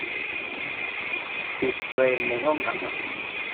ปิดเพลงในห้องอาหาร